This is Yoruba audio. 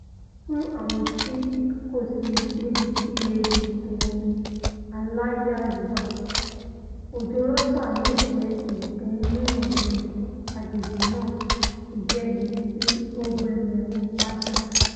Fún àwọn tí kòsí níbiti ewu ìkún-omi aláyalù wà, òjò Rosa leè jẹ́ ìbùkún níwọ́n bí agbègbè̀̀ náà ti jẹ́ èyití ọ̀gbẹlẹ̀ ńbá jà.